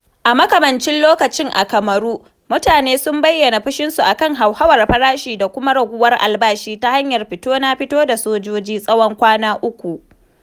A makamancin lokacin a Cameroon, mutane sun bayyana fushinsu a kan hauhawar farashi da kuma raguwar albashi ta hanyar fito-na-fito da sojoji tsawon kawana uku.